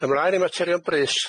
Ymlaen i materion brys.